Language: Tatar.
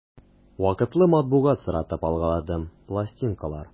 Вакытлы матбугат соратып алгаладым, пластинкалар...